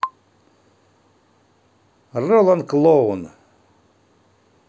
роланд клоун